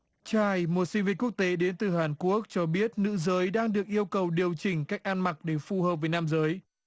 chai một sinh viên quốc tế đến từ hàn quốc cho biết nữ giới đang được yêu cầu điều chỉnh cách ăn mặc để phù hợp với nam giới